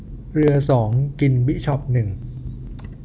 เรือสองกินบิชอปหนึ่ง